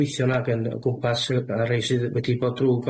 gweithio 'na ag yn o gwmpas yy a rei sydd wedi bod drw